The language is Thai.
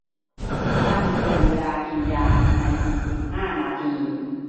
ตั้งเตือนเวลากินยาในอีกสิบห้านาที